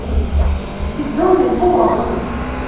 бездомный бог